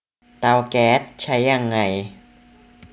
เตาแก๊สใช้ยังไง